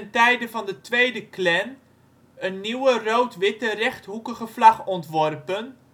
tijde van de tweede Klan een nieuwe rood-witte rechthoekige vlag ontworpen